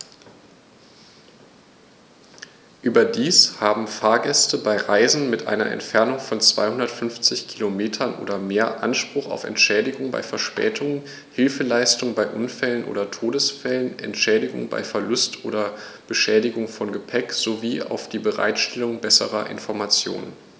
Überdies haben Fahrgäste bei Reisen mit einer Entfernung von 250 km oder mehr Anspruch auf Entschädigung bei Verspätungen, Hilfeleistung bei Unfällen oder Todesfällen, Entschädigung bei Verlust oder Beschädigung von Gepäck, sowie auf die Bereitstellung besserer Informationen.